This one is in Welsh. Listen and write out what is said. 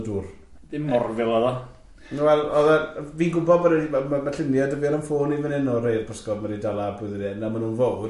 Dim morfil odd o? Wel odd y- fi'n gwybod bod yr un- ma' ma' ma' llunie da fi ar fy ffôn i fan hyn o rhai o'r pysgod ma' n'w wedi dala flwyddyn hyn a ma nhw'n fowr.